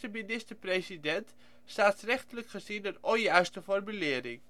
minister-president " (staatsrechtelijk gezien een onjuiste formulering